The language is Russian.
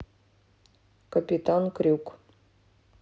капитан крюк